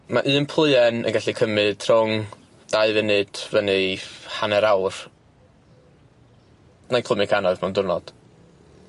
Ma' un pluen y' gallu cymyd rhwng dau funud fyny hanner awr na'i clymu cannoedd mewn diwrnod.